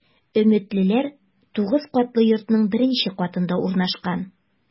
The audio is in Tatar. “өметлеләр” 9 катлы йортның беренче катында урнашкан.